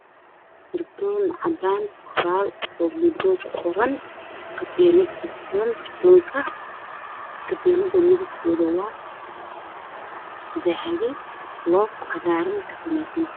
Karton cadan qoral madow kuqoran waxna suran katinad katinad midabkedu waa dahbi love cagar kasemeysan